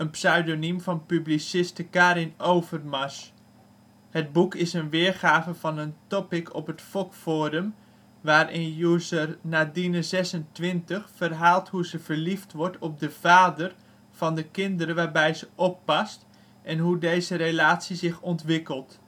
pseudoniem van publiciste Karin Overmars. Het boek is een weergave van een topic op het FOK! forum, waarin user Nadine26 verhaalt hoe ze verliefd wordt op de vader van de kinderen waarbij ze oppast en hoe deze relatie zich ontwikkelt